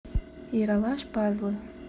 ералаш пазлы